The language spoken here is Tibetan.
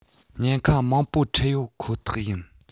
ཉེན ཁ མང པོ འཕྲད ཡོད ཁོ ཐག ཡིན